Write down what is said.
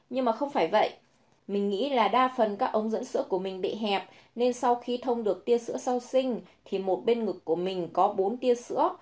nhưng mà không phải vậy mình nghĩ là đa phần các ống dẫn sữa của mình bị hẹp nên sau khi thông được tia sữa sau sinh thì một bên ngực của mình có tia sữa